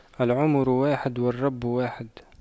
العمر واحد والرب واحد